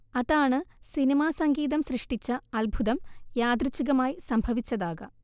അതാണ് സിനിമാസംഗീതം സൃഷ്ടിച്ച അദ്ഭുതം യാദൃച്ഛികമായി സംഭവിച്ചതാകാം